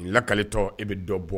Lakali tɔ e bɛ dɔ bɔ